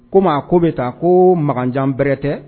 Ko maa ko bɛ tan ko mankanjan bɛrɛtɛ